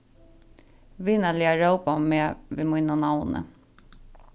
vinarliga rópa meg við mínum navni